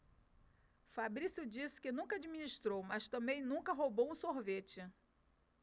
fabrício disse que nunca administrou mas também nunca roubou um sorvete